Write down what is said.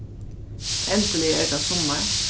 endiliga er tað summar